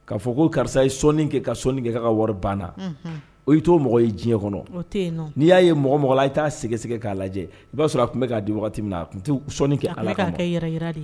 Ka fɔ ko karisa ye sɔɔni kɛ ka sɔɔni kɛ k'a ka wari banna unhun o i to o mɔgɔ ye diɲɛ kɔnɔ o te yen nɔ n'i y'a ye mɔgɔ mɔgɔ la aye t'a sɛgɛsɛgɛ k'a lajɛ i b'a sɔrɔ a tun bɛ k'a di wagati min na a tun tɛ sɔɔni kɛ ala kama a tun bɛ ka kɛ yɛrɛyira de ye